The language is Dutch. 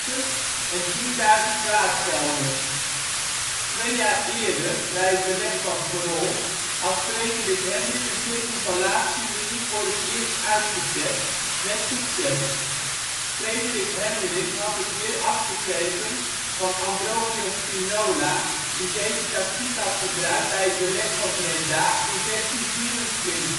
en 10.000 waardgelders. Twee jaar eerder, bij het Beleg van Grol, had Frederik Hendrik een circumvallatielinie voor het eerst uitgetest, met succes. Frederik Hendrik had het weer afgekeken van Ambrogio Spinola die deze tactiek had gebruikt bij het Beleg van Breda in